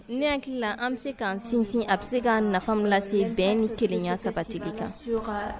ne hakili la an be se k'an sinsin a bɛ se ka nafa min lase bɛn ni kelenya sabatili kan